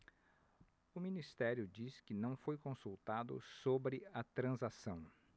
o ministério diz que não foi consultado sobre a transação